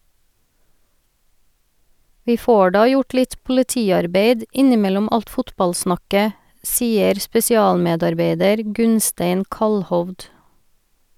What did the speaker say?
- Vi får da gjort litt politiarbeid innimellom alt fotballsnakket, sier spesialmedarbeider Gunnstein Kallhovd.